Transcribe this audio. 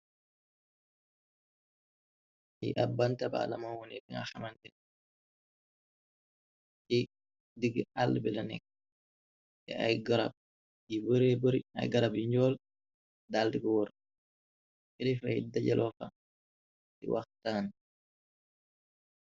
Lii ab bantaba lama wone, si diggë àllë bi la nekk, te ay garab yu njool dal diko wóor kelifa yi dajalo fa di waxtaan.